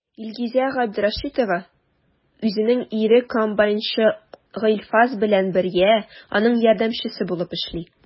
Илгизә Габдрәшитова үзенең ире комбайнчы Гыйльфас белән бергә, аның ярдәмчесе булып эшли.